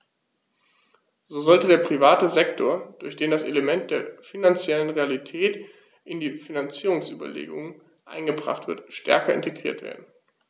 So sollte der private Sektor, durch den das Element der finanziellen Realität in die Finanzierungsüberlegungen eingebracht wird, stärker integriert werden.